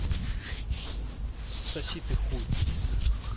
соси ты хуй